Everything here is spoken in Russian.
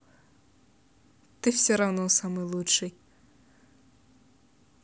ты все равно самый лучший